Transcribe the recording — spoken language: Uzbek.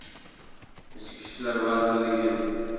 ichki ishlar vazirligi